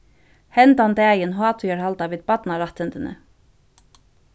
henda dagin hátíðarhalda vit barnarættindini